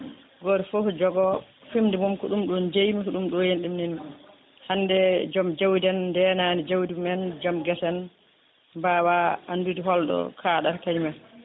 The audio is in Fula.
goto foof joogo fimde mum ko ɗum ɗo jeymi ko ɗum ɗo henna ɗum ninmi hande joom jawdi en ndenani jawdi mumen joom guese en mbawa andude holɗo kaɗata kañumen